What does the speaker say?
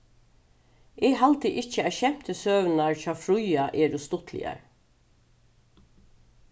eg haldi ikki at skemtisøgurnar hjá fríða eru stuttligar